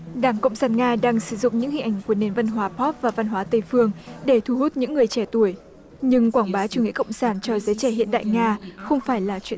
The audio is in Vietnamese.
đảng cộng sản nga đang sử dụng những hình ảnh của nền văn hóa póp và văn hóa tây phương để thu hút những người trẻ tuổi nhưng quảng bá chủ nghĩa cộng sản cho giới trẻ hiện đại nga không phải là chuyện